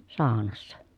saunassa